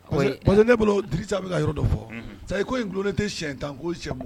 Parce que ne bolo Drisa bɛka yɔrɔ dɔ fɔ ça dire ko in gilonnen tɛ sɲɛ 10 ko ni